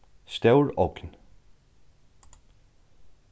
stór ogn